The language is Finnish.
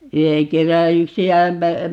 yhden kerran yksi ämmä